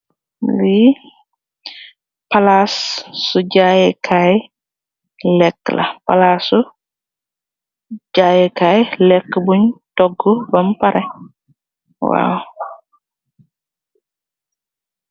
Li palasu jay yi kay lekka buñ tóógu bam pareh.